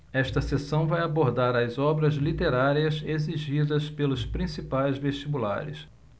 esta seção vai abordar as obras literárias exigidas pelos principais vestibulares